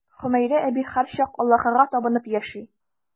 Хөмәйрә әби һәрчак Аллаһыга табынып яши.